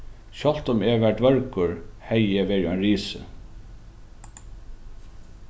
sjálvt um eg var dvørgur hevði eg verið ein risi